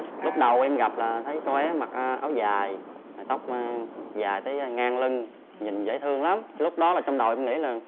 lúc đầu em gặp là thấy cô ấy mặc áo dài tóc dài tới ngang lưng nhìn dễ thương lắm lúc đó là trong đầu em nghĩ là